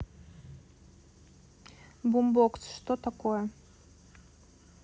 бумбокс что такое